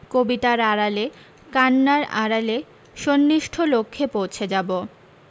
কবিতার আড়ালে কান্নার আড়ালে সন্নিষ্ঠ্য লক্ষ্যে পৌছে যাব